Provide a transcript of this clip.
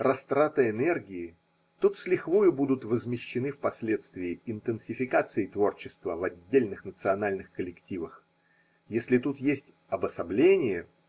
растрата энергии тут с лихвою будут возмещены впоследствии интенсификацией творчества в отдельных национальных коллективах. Если тут есть обособление.